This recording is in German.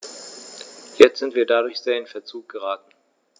Jetzt sind wir dadurch sehr in Verzug geraten.